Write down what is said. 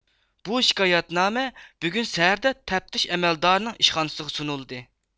بۇ شىكايەتنامە بۈگۈن سەھەردە تەپتىش ئەمەلدارىنىڭ ئىشخانىسىغا سۇنۇلدى